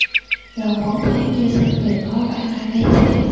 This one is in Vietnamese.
gần bốn tháng chưa xin được phó bản đăng ký xe